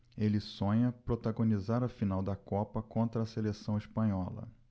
ele sonha protagonizar a final da copa contra a seleção espanhola